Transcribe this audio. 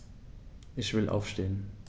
Ich will aufstehen.